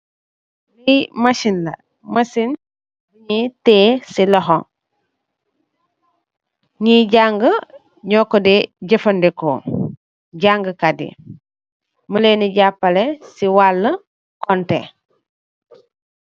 Li masin la masin bi ñii teyeh ci loxo ñii janga ño ko dèè jafadiko, janga kat yi mu lèèn di jalaleh ci wali konteh.